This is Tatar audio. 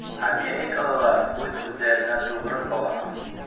Америкалылар үз-үзләренә тугры кала.